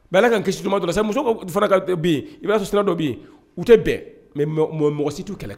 B' ka kisiuma muso i b'a sɔrɔ s siraina dɔ bin u tɛ bɛn mɛ mɔ mɔgɔ si ttuu kɛlɛ